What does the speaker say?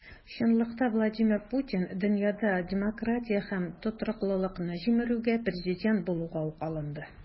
Чынлыкта Владимир Путин дөньяда демократия һәм тотрыклылыкны җимерүгә президент булуга ук алынды.